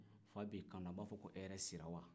fa b'i kanto a b'a fɔ ko hɛrɛ sila wa